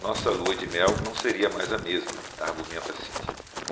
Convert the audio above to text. nossa lua-de-mel não seria mais a mesma argumenta cíntia